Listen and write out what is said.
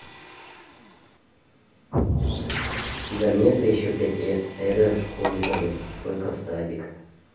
да мне то еще пять лет я даже в школу не хожу только в садик